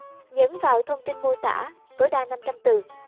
vào thông tin mô tả rồi nhấn tiếp tục